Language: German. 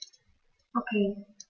Okay.